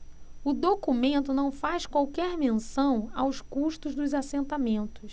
o documento não faz qualquer menção aos custos dos assentamentos